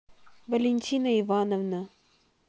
валентина ивановна